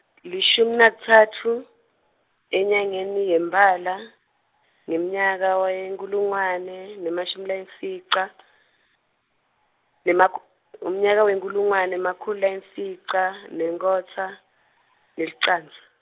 lishumi nakutsatfu, enyangeni yeMpala, ngemnyaka wenkulungwane, nemashumi layimfica , nemakh- ngomnyaka wenkulungwane nemakhulu layimfica, nenkotsa nelicandza.